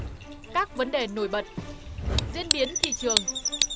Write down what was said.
các vấn đề nổi bật diễn biến thị trường